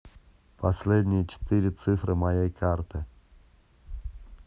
последние четыре цифры моей карты